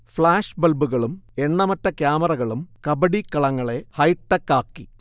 flash ബൾബുകളും എണ്ണമറ്റ ക്യാമറകളും കബഡി കളങ്ങളെ ഹൈടെക്കാക്കി